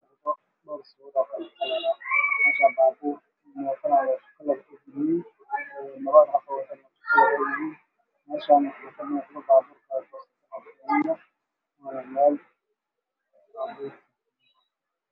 Meshan waxaa iiga muuqda gaari midab kiisu yahay madow